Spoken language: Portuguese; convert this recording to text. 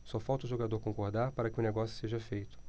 só falta o jogador concordar para que o negócio seja feito